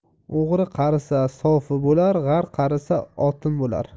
o'g'ri qarisa so'fi bo'lar g'ar qarisa otin bo'lar